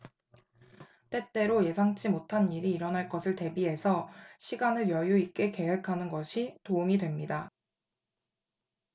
때때로 예상치 못한 일이 일어날 것을 대비해서 시간을 여유 있게 계획하는 것이 도움이 됩니다